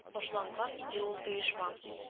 Башланган иде ул оешма